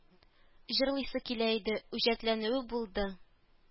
Җырлыйсы килә иде, үҗәтләнүе булды